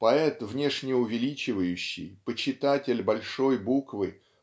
Поэт внешне увеличивающий почитатель большой буквы